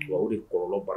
U o de kɔrɔlɔnba